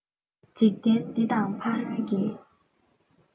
འཇིག རྟེན འདི དང ཕ རོལ གྱི